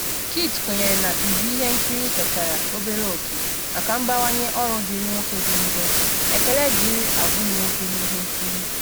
Kit kwenyere na igwe ihe nkiri ketere obere oke maka mbawanye ọrụ dịrị nwoke dị njọ, ekele dịịrị agwa ụmụ-nwoke n’ihe nkiri.